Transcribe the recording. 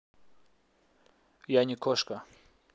я не кошка